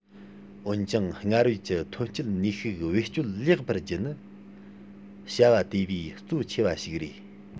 འོན ཀྱང སྔར ཡོད ཀྱི ཐོན སྐྱེད ནུས ཤུགས བེད སྤྱོད ལེགས པར རྒྱུ ནི བྱ བ དེ བས གཙོ ཆེ བ ཞིག རེད